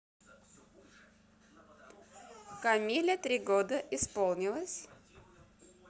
камиля три года исполнилось